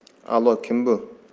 allo kim bu